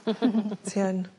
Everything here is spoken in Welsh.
Ti yn.